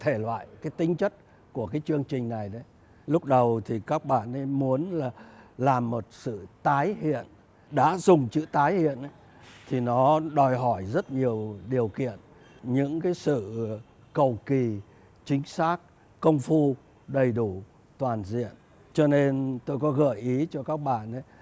thể loại kịch tính chất của cái chương trình này đấy lúc đầu thì các bạn nên muốn là là một sự tái hiện đã dùng chữ tái hiện thì nó đòi hỏi rất nhiều điều kiện những cây sở vừa cầu kỳ chính xác công phu đầy đủ toàn diện cho nên tôi có gợi ý cho các bạn ấy